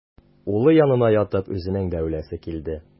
Улы янына ятып үзенең дә үләсе килде.